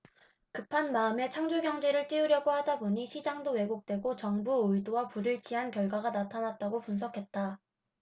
급한 마음에 창조경제를 띄우려고 하다 보니 시장도 왜곡되고 정부 의도와 불일치한 결과가 나타났다고 분석했다